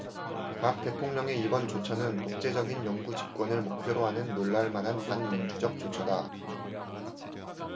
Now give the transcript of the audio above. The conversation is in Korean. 박 대통령의 이번 조처는 독재적인 영구집권을 목표로 하는 놀랄 만한 반민주적 조처다